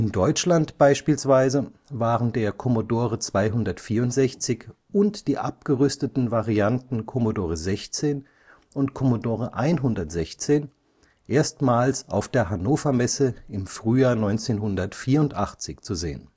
Deutschland beispielsweise waren der Commodore 264 und die abgerüsteten Varianten Commodore 16 und Commodore 116 erstmals auf der Hannover Messe im Frühjahr 1984 zu sehen